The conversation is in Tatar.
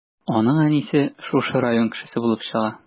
Аның әнисе шушы район кешесе булып чыга.